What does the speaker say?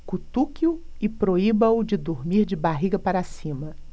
cutuque-o e proíba-o de dormir de barriga para cima